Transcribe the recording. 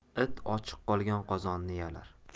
it ochiq qolgan qozonni yalar